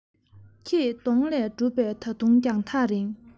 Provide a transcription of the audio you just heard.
ཁྱེད གདོང ལས གྲུབ པའི ད དུང རྒྱང ཐག རིང